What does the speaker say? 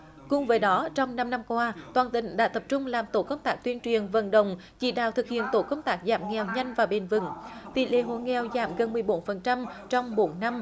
cùng với đó trong năm năm qua toàn tỉnh đã tập trung làm tổ công tác tuyên truyền vận động chỉ đạo thực hiện tổ công tác giảm nghèo nhanh và bền vững tỷ lệ hộ nghèo giảm gần mười bốn phần trăm trong bốn năm